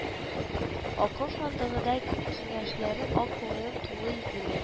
Акыл сандыгыдай киңәшләрең ак күңелең тулы изгелек